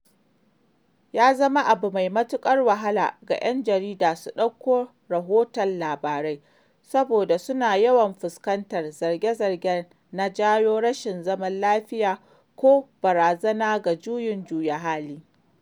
Ya zama abu mai matuƙar wahala ga 'yan jarida su ɗauko rahoton labarai saboda suna yawan fuskantar zarge-zarge na "jawo rashin zaman lafiya" ko "barazana ga juyin juya halin."